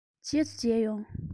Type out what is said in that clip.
རྗེས སུ མཇལ ཡོང